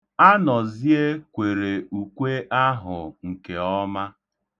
Anọzie kwere ukwe ahụ nke ọma.